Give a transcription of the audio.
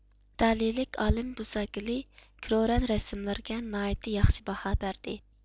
ئىتالىيىلىك ئالىم بۇساگلى كرورەن رەسىملىرىگە ناھايىتى ياخشى باھا بەردى